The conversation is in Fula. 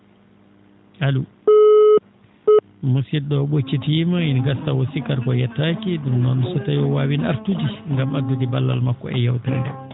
allo musid?o ?occitiima ina gasa o sikkata ko yottaaki ?um noon so tawiino o waawi artude ngam addude ballal makko e yeew tere nde